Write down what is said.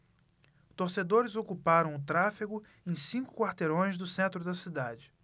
torcedores ocuparam o tráfego em cinco quarteirões do centro da cidade